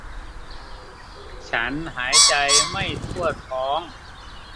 ฉันหายใจไม่ทั่วท้อง